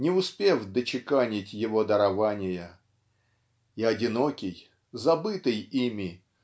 не успев дочеканить его дарования. И одинокий забытый ими